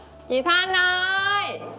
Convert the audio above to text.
chị thanh ơi